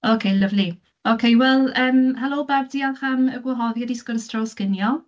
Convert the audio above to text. Ocê lyfli. Ocê, wel yym helo bawb, diolch am y gwahoddiad i sgwrs dros ginio.